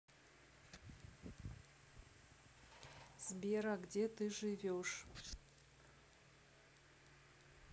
сбер а где ты живешь